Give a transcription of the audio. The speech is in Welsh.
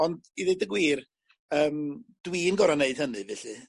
on' i ddeud y gwir yym dwi'n gor'o' neud hynny felly